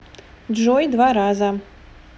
джой два раза